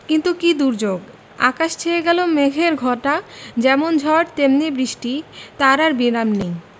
কিন্তু কি দুর্যোগ আকাশ ছেয়ে কালো মেঘের ঘটা যেমন ঝড় তেমনি বৃষ্টি তার আর বিরাম নেই